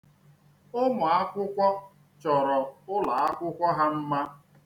Ụmụakwụkwọ chọrọ ụlọakwụkwọ ha mma.